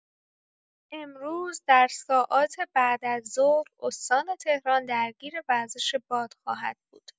امروز در ساعات بعد از ظهر، استان تهران درگیر وزش باد خواهد بود.